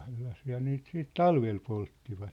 sellaisiahan ne niitä sitten talvella polttivat